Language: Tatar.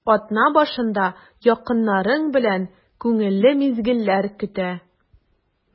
Атна башында якыннарың белән күңелле мизгелләр көтә.